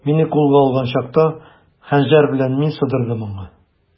Мине кулга алган чакта, хәнҗәр белән мин сыдырдым аңа.